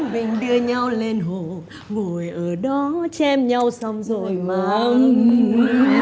mình đưa nhau lên hồ ngồi ở đó chém nhau xong rồi mang